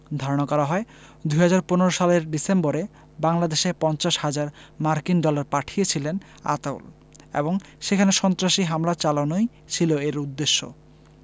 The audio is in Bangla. ধারণা করা হয় ২০১৫ সালের ডিসেম্বরে বাংলাদেশে ৫০ হাজার মার্কিন ডলার পাঠিয়েছিলেন আতাউল এবং সেখানে সন্ত্রাসী হামলা চালানোই ছিল এর উদ্দেশ্য